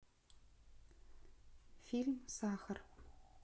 фильм сахар